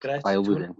grêt... ail flwyddyn